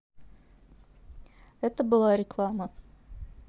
это была реклама